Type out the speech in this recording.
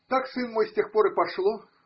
Так, сын мой, с тех пор и пошло.